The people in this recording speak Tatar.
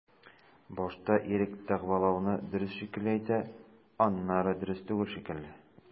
Башта ирек дәгъвалауны дөрес шикелле әйтә, аннары дөрес түгел шикелле.